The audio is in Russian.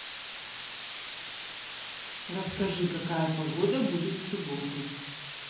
расскажи какая погода будет в субботу